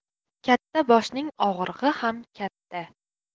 katta boshning og'rig'i ham katta